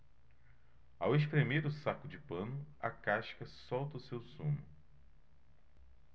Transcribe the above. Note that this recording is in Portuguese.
ao espremer o saco de pano a casca solta seu sumo